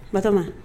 Mama